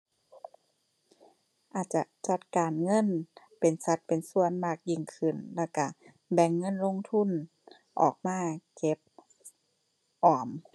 อาจจะจัดการเงินเป็นสัดเป็นส่วนมากยิ่งขึ้น แล้วก็แบ่งเงินลงทุนออกมาเก็บออม